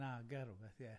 Naga, rwbeth, ie.